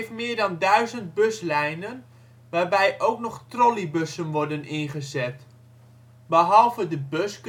meer dan duizend buslijnen, waarbij ook nog trolleybussen worden ingezet. Behalve de bus